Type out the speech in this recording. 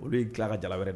Olu y'i tila ka ja wɛrɛ de